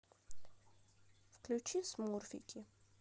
включи смурфики